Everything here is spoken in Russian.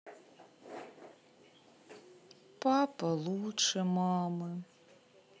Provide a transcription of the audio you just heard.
папа лучше мамы